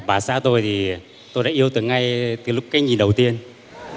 bà xã tôi thì tôi đã yêu từ ngay từ lúc cái nhìn đầu tiên